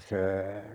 se